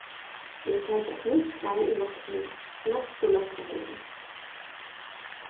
eg taki eitt nýtt skeið í rokning næstu lestrarhálvu